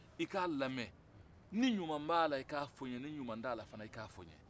i k' a lamɛ ni ɲuman b'a la i ka fo n ye ni ɲuman t'a i ka fo n ye